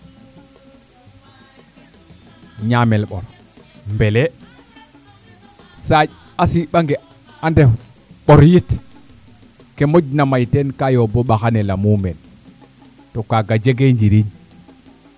ñamel ɓor mbele saaƴ a siɓange a ndef ɓor yit ke moƴna may teen ka yombo mbaxanel a mumeen to kaga jege njiriñ